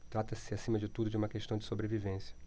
trata-se acima de tudo de uma questão de sobrevivência